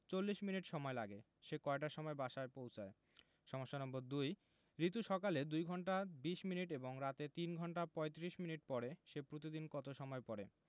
৪০ minute সময়লাগে সে কয়টার সময় বাসায় পৌছায় সমস্যা নম্বর ২ রিতু সকালে ২ ঘন্টা ২০ মিনিট এবং রাতে ৩ ঘণ্টা ৩৫ মিনিট পড়ে সে প্রতিদিন কত সময় পড়ে